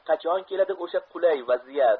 qachon keladi o'sha qulay vaziyat